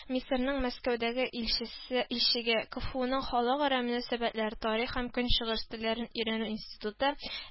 Мисырның Мәскәүдәге илчелесе илчеге, КэФэУның Халыкара мөнәсәбәтләр, тарих һәм көнчыгыш телләрен өйрәнү институты